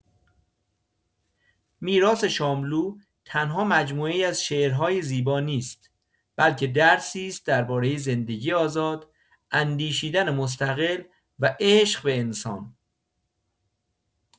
میراث شاملو تنها مجموعه‌ای از شعرهای زیبا نیست، بلکه درسی است درباره زندگی آزاد، اندیشیدن مستقل و عشق به انسان.